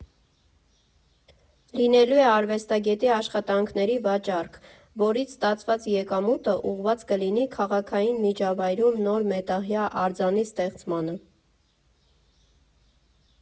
Լինելու է արվեստագետի աշխատանքների վաճառք, որից ստացված եկամուտը ուղված կլինի քաղաքային միջավայրում նոր մետաղյա արձանի ստեղծմանը։